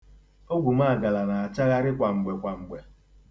Ogwumaagala na-achagharị kwa mgbe kwa mgbe.